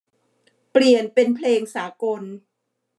เปลี่ยนเป็นเพลงสากล